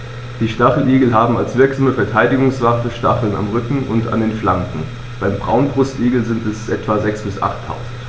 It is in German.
Die Stacheligel haben als wirksame Verteidigungswaffe Stacheln am Rücken und an den Flanken (beim Braunbrustigel sind es etwa sechs- bis achttausend).